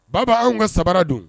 Baba anw ka sabara don